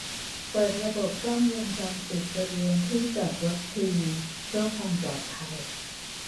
เปิดระบบกล้องวงจรปิดบริเวณที่จอดรถทีเพื่อความปลอดภัย